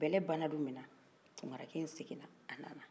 bɛlɛ bana don min na tunkara kɛ in seginra ka na